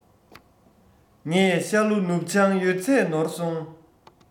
ངས ཤར ལྷོ ནུབ བྱང ཡོད ཚད ནོར སོང